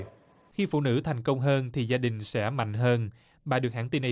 khi phụ nữ thành công hơn thì gia đình sẽ mạnh hơn ba được hãng tin